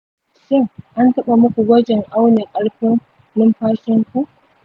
shin an taɓa muku gwajin auna ƙarfin numfashinku?